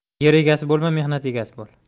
yer egasi bo'lma mehnat egasi bo'l